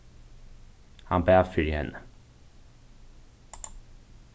hann bað fyri henni